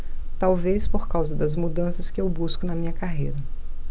talvez por causa das mudanças que eu busco na minha carreira